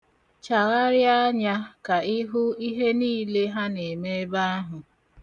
Chagharịa anya ka ị hụ ihe niile ha na-eme ebe ahụ.